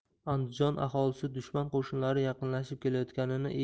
andijon aholisi dushman qo'shinlari yaqinlashib kelayotganini